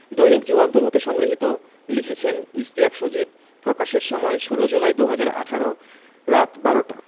দৈনিক যুগান্তর হতে সংগৃহীত লিখেছেন ইশতিয়াক সজীব প্রকাশের সময় ১৬ জুলাই ২০১৮ রাত ১২টা